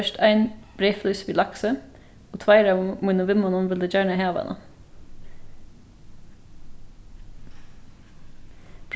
bert ein breyðflís við laksi og tveir av mínum vinmonnum vildu gjarna hava hana